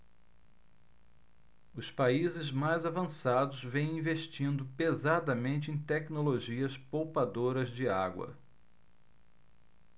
os países mais avançados vêm investindo pesadamente em tecnologias poupadoras de água